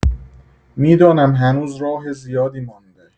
می‌دانم هنوز راه زیادی مانده.